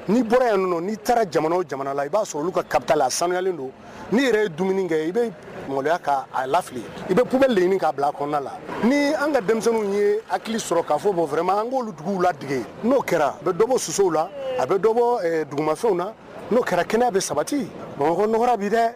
N'i bɔra yan n'i taara jamana jamana la i b'a sɔrɔ olu ka kabila la sanuyalen don n'i yɛrɛ ye dumuni kɛ i bɛ maloya'a lali i bɛ bɛ laɲini k'a bila a kɔnɔ la ni an ka denmisɛnninw ye hakili sɔrɔ k' fɔ'o fɛ ma an'olu duguw lade n'o kɛra a bɛbɔ sosow la a bɛbɔ dugumanw la n'o kɛra kɛnɛ bɛ sabati bamakɔ n nɔgɔ bi dɛ